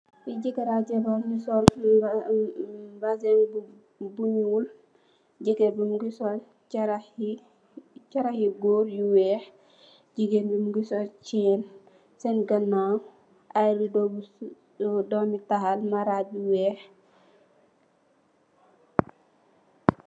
Li jekarr ak jabarr nyugi sol mbazen bu ñuul jigeen bi mogi cxarax yu goor yu weex jigeen bi mongi sol cxain sen ganaw ay redo yu domitaal marag bu weex